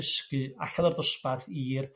dysgu allan yr dosbarth i'r